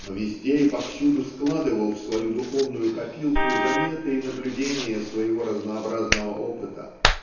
но везде и повсюду складывал в свою духовную копилку заметы и наблюдения своего разнообразного опыта